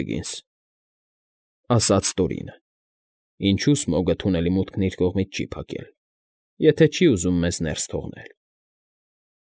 Բեգինս,֊ ասաց Տորինը։֊ Ինչո՞ւ Սմոգը թունելի մուտքն իր կողմից չի փակել, եթե չի ուզում մեզ ներս թողնել։